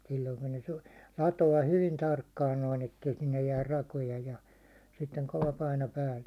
silloin kun ne - latoo hyvin tarkkaan noin että ei sinne jää rakoja ja sitten kova paino päälle